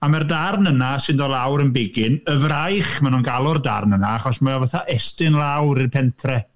A mae'r darn yna sy'n dod lawr yn bigyn, "y fraich" maen nhw'n galw'r darn yna, achos mae o fatha estyn lawr i'r pentre.